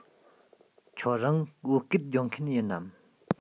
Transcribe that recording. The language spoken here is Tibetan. ཁྱོད རང བོད སྐད སྦྱོང མཁན ཡིན ནམ